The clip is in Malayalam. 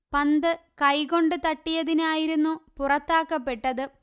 പന്ത് കൈകൊണ്ട് തട്ടിയതിനായിരുന്നു പുറത്താക്കപ്പെട്ടത്